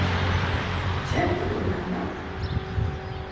keypti tú nakað